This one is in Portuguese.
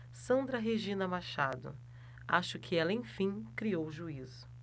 sandra regina machado acho que ela enfim criou juízo